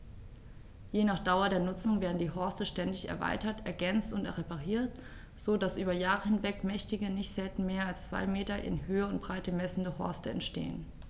Je nach Dauer der Nutzung werden die Horste ständig erweitert, ergänzt und repariert, so dass über Jahre hinweg mächtige, nicht selten mehr als zwei Meter in Höhe und Breite messende Horste entstehen.